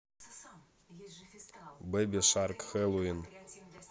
бэби шарк хеллоуин